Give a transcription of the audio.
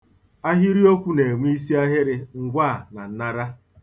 Ahịrịokwu na-enwe isiahịrị, ngwaa, na nnara.